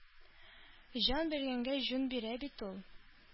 Җан биргәнгә җүн бирә бит ул.